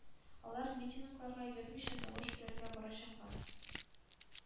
Алар митингларга йөрмичә, тавыш бирергә барачаклар,